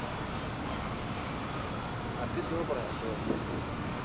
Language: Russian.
а ты добрая джой